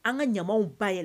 An ka ɲamaw ba yɛlɛ